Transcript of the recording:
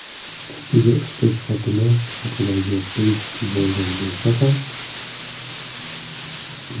ustiga ustak xotini haqidagi qo'yib yuborgan